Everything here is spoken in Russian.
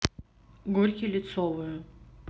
горький лицовую